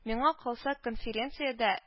- миңа калса, конференциядә